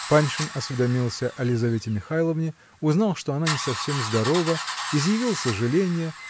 Паншин осведомился о Лизавете Михайловне, узнал, что она не совсем здорова, изъявил сожаленье